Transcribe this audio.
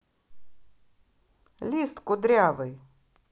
лист кудрявый